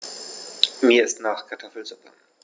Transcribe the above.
Mir ist nach Kartoffelsuppe.